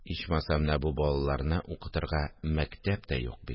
Ичмаса, менә бу балаларны укытырга мәктәп тә юк бит